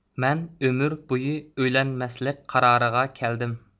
مەن ئۆمۈربويى ئۆيلەنمەسلىك قارارىغا كەلدىم